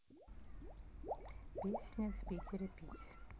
песня в питере пить